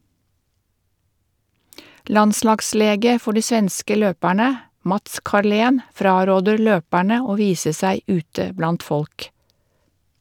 Landslagslege for de svenske løperne, Mats Carlén, fraråder løperne å vise seg ute blant folk.